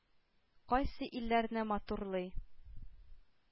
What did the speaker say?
Кайсы илләрне матурлый,